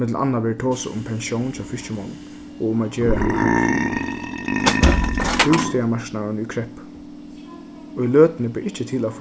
millum annað verður tosað um pensjón hjá fiskimonnum og um at gera hana hægri bústaðarmarknaðurin í kreppu í løtuni ber ikki til at